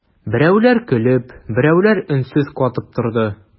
Берәүләр көлеп, берәүләр өнсез катып торды.